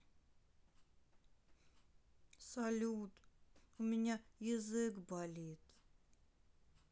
салют у меня язык болит